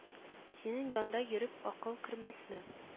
Синең янда йөреп акыл кермәсме